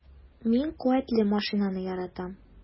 Мин куәтле машинаны яратам.